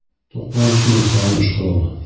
Тукмау өчен ясалган эш коралы.